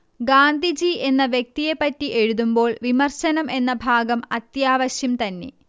ഗാന്ധിജി എന്ന വ്യക്തിയെ പറ്റി എഴുതുമ്പോൾ വിമർശനം എന്ന ഭാഗം അത്യാവശ്യം തന്നെ